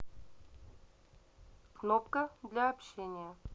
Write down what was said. кнопка для общения